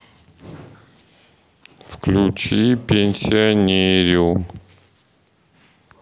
включи пенсионериум